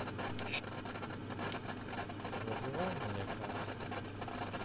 называй меня катя